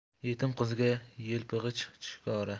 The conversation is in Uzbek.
yetim qizga yelpig'ich chikora